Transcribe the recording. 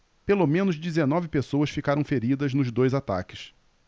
pelo menos dezenove pessoas ficaram feridas nos dois ataques